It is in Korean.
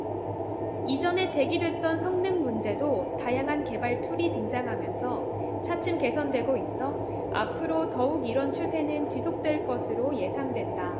이전에 제기됐던 성능문제도 다양한 개발툴이 등장하면서 차츰 개선되고 있어 앞으로 더욱 이런 추세는 지속될 것으로 예상된다